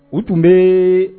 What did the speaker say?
U tun bɛɛ